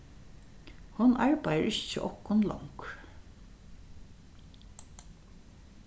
hon arbeiðir ikki hjá okkum longur